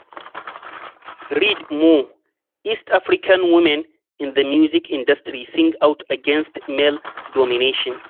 Read more: East African women in the music industry sing out against male domination